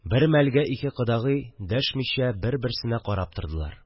Бер мәлгә ике кодагый дәшмичә бер-берсенә карап тордылар